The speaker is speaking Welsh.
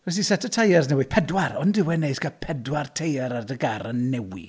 Ges i set o teairs newydd. Pedwar, ond dyw e'n neis cael pedwar teiar ar dy gar yn newydd.